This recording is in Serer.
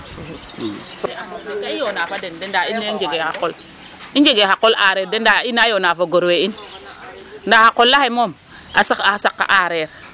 Ka i yoonaa fa den de ndaa i nee njegaa xa qol i njege xa qol aareer de ndaa i naa yoonaa fo gor we in ndaa xa qol axe moom a saqma aareer.